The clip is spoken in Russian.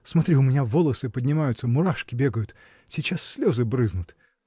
Смотри: у меня волосы подымаются, мурашки бегают. сейчас слезы брызнут.